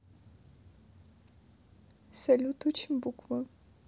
салют учим буквы